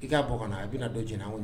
I k'a bɔ kɔnɔ a bɛ na don j o